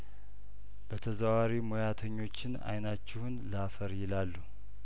በተዘዋዋሪ ሙያተኞችን አይናችሁን ላፈር ይላሉ